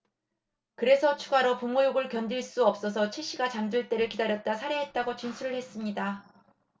그래서 추가로 부모 욕을 견딜 수 없어서 최 씨가 잠들 때를 기다렸다 살해했다고 진술을 했습니다